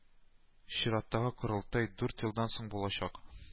Чираттагы корылтай дүрт елдан соң булачак